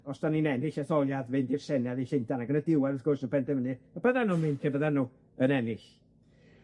os 'dan ni'n ennill etholiad, fynd i'r Senedd i Llundan, ac yn y diwedd wrth gwrs, y' benderfynu lle byddan nw'n mynd pe byddan nw yn ennill.